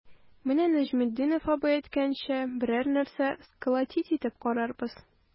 Менә Нәҗметдинов абый әйткәнчә, берәр нәрсә сколотить итеп карарбыз.